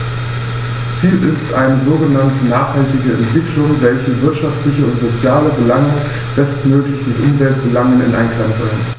Ziel ist eine sogenannte nachhaltige Entwicklung, welche wirtschaftliche und soziale Belange bestmöglich mit Umweltbelangen in Einklang bringt.